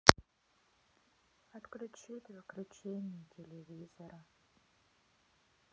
отключить выключение телевизора